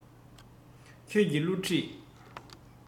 ཁྱེད ཀྱི བསླུ བྲིད